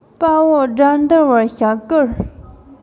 དཔའ བོ དགྲ འདུལ བའི ཞབས བསྐུལ